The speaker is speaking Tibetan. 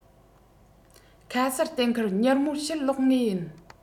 ཁ གསལ གཏན འཁེལ མྱུར མོར ཕྱིར ལོག ངེས ཡིན